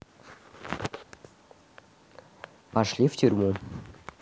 пошли в тюрьму